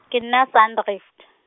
ke nna Sandrift.